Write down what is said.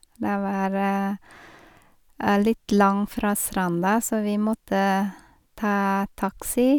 Det var litt lang fra stranda, så vi måtte ta taxi.